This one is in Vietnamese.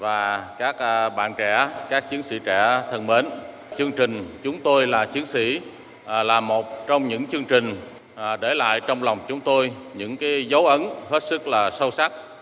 và các à bạn trẻ các chiến sĩ trẻ thân mến chương trình chúng tôi là chiến sĩ à là một trong những chương trình à để lại trong lòng chúng tôi những cái a dấu ấn hết sức là sâu sắc